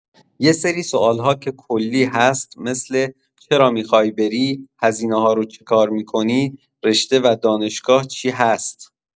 یسری سوال‌ها که کلی هست مثل، چرا میخوای بری، هزینه هارو چه کار می‌کنی، رشته و دانشگاه چی هست.